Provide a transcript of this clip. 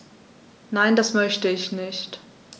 Nein, das möchte ich nicht.